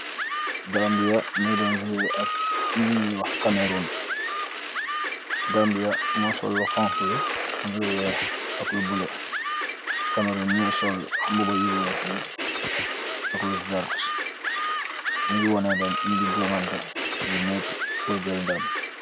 Gambia, ñoo doon zuwe ak ñi ñuy wax cameron. Gambia mon sol lu khoonga, am lu weex ak lu buloo. Kameron ñoo sol mbubayu weex yi ak lu verte. Ñu ngi wone na ñi ngi jongante lu mette pur jàl ndam li.